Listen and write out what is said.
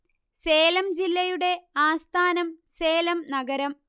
സേലം ജില്ലയുടെ ആസ്ഥാനം സേലം നഗരം